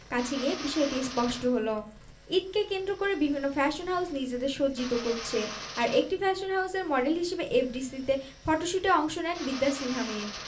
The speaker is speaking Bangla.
বর্তমানে মিমের ঢাকা কলকাতা ঢাকা করেই ব্যস্ত সময় পার হচ্ছে জানা গেল ফ্যাশন হাউজ আর্টরেসের ফটশুটে অংশ নিতেই এফডিসিতে এসেছেন তিনি